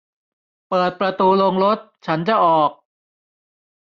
เปิดประตูโรงรถฉันจะออก